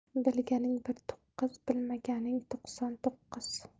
bilganing bir to'qqiz bilmaganing to'qson to'qqiz